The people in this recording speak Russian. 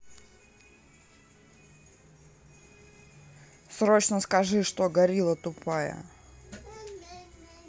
срочно скажи что горилла тупая